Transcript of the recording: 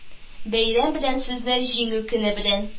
Бәйрәм белән сезне, Җиңү көне белән